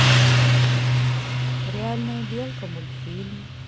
реальная белка мультфильм